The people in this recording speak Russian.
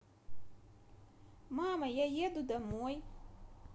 мама еду я домой